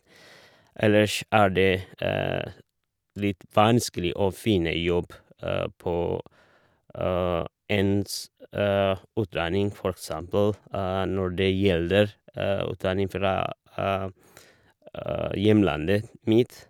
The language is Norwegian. Ellers er det litt vanskelig å finne jobb på ens utdanning, for eksempel når det gjelder utdanning fra hjemlandet mitt.